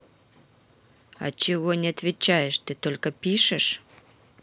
а чего не отвечаешь ты только пишешь